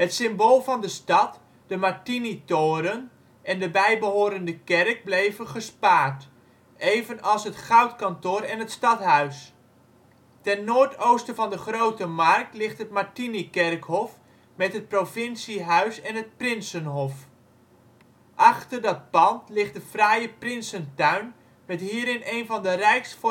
symbool van de stad, de Martinitoren (door de " stadjers " d'Olle Grieze genoemd) en de bijbehorende kerk bleven gespaard, evenals het Goudkantoor en het stadhuis. Ten noordoosten van de Grote Markt ligt het Martinikerkhof met het provinciehuis en het Prinsenhof. Achter dat pand ligt de fraaie Prinsentuin met hierin een van de rijkst vormgegeven zonnewijzers